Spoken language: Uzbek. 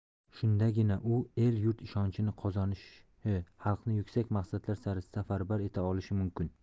shundagina u el yurt ishonchini qozonishi xalqni yuksak maqsadlar sari safarbar eta olishi mumkin